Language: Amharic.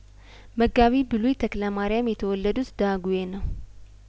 መጋቢ ብሉይ ተክለማሪያም የተወለዱት ዳጔ ነው